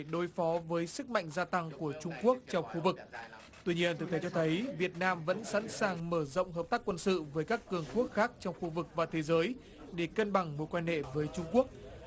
để đối phó với sức mạnh gia tăng của trung quốc trong khu vực tuy nhiên thực tế cho thấy việt nam vẫn sẵn sàng mở rộng hợp tác quân sự với các cường quốc khác trong khu vực và thế giới để cân bằng mối quan hệ với trung quốc